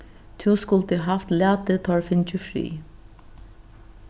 tú skuldi havt latið teir fingið frið